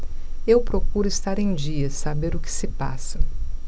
eu procuro estar em dia saber o que se passa